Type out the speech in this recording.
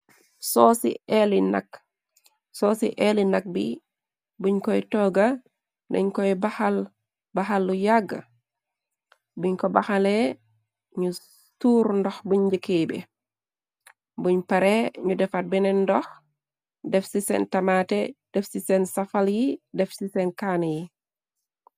So ci eeli nak bi buñ koy togga dañ koy baxal lu yàgg buñ ko baxale ñu tuur ndox buñ njëkkey be buñ pare ñu defat beneen ndox def ci sen tamate def ci seen safal yi def ci seen kanne yi.